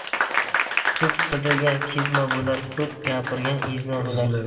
ko'p qidirgan kezma bo'lar ko'p gapirgan ezma bo'lar